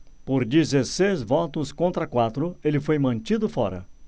por dezesseis votos contra quatro ele foi mantido fora